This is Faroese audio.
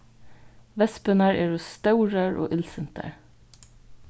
vespurnar eru stórar og illsintar